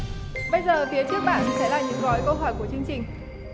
bây giờ phía trước bạn sẽ là những gói câu hỏi của chương trình